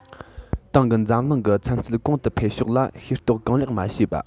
དེང གི འཛམ གླིང གི ཚན རྩལ གོང དུ འཕེལ ཕྱོགས ལ ཤེས རྟོགས གང ལེགས མ བྱས བ